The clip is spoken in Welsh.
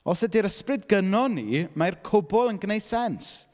Os ydy'r ysbryd gynnon ni, mae'r cwbl yn gwneud sens.